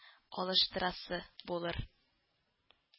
– алыштырасы булыр